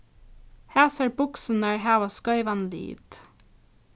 hasar buksurnar hava skeivan lit